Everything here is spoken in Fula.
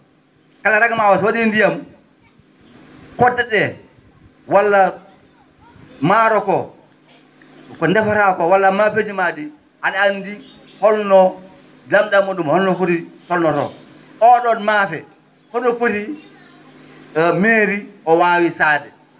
kaleera? maa oo so wa?i ndiyam kodde ?ee walla maaro ko ko defataa koo walla maafeeji maa ?ii a?a anndi holno lam?am muu?um holno foti tolno to o?on maafe hono foti meeri o waawi saade